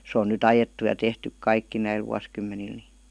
se on nyt ajettu ja tehty kaikki näillä vuosikymmenillä niin